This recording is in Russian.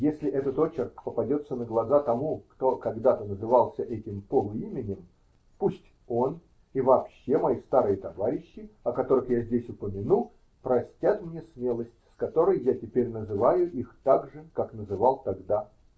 Если этот очерк попадется на глаза тому, кто когда то назывался этим полуименем, пусть он и вообще мои старые товарищи, о которых я здесь упомяну, простят мне смелость, с которой я теперь называю их так же, как называл тогда.